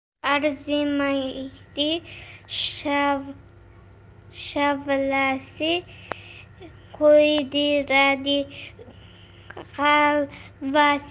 arzimaydi shavlasi kuydiradi g'alvasi